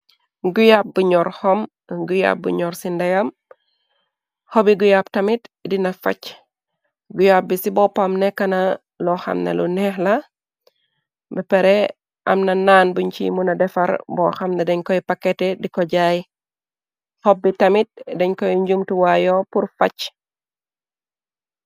guyab bu ñoor xom guyab bu ñoor ci ndayam xobi guyab tamit dina facc guyab bi ci boppam nekkna loo xamna lu neex la bepere am na naan buñ ci muna defar boo xamna dañ koy pakete diko jaay xob bi tamit dañ koy njumtuwaayoo pur facc